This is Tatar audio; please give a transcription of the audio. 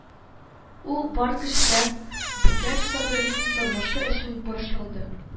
Ул бар кешедән битәр Сабирның тормышы өчен борчылды